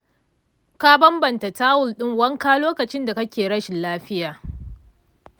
ka banbanta tawul din wanka lokacin da kake rashin lafiya?